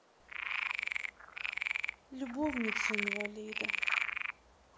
любовницы инвалида